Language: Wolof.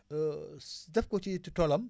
def ko ci toolam